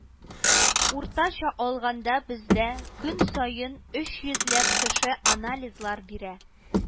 Уртача алганда бездә көн саен өч йөзләп кеше анализлар бирә